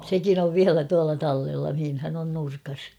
sekin on vielä tuolla tallella missähän on nurkassa